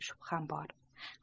shubham bor